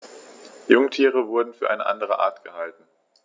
Jungtiere wurden für eine andere Art gehalten.